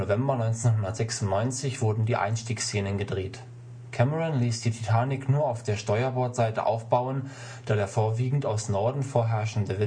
1996 wurden die Einstiegsszenen gedreht. Cameron ließ die Titanic nur auf der Steuerbordseite aufbauen, da der vorwiegend aus Norden vorherrschende